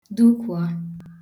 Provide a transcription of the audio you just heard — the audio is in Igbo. dukwùa